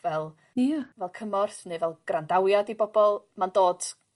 fel... Ia. ...fel cymorth neu fel grandawiad i bobol ma'n dod